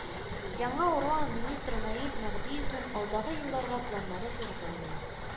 Яңа урман министры Наил Мәһдиевнең алдагы елларга планнары зурдан